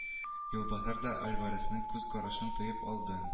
Юлбасар да альваресның күз карашын тоеп алды